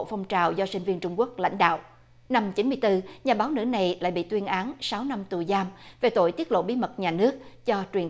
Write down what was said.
phong trào do sinh viên trung quốc lãnh đạo năm chín mươi tư nhà báo nữ này lại bị tuyên án sáu năm tù giam về tội tiết lộ bí mật nhà nước cho truyền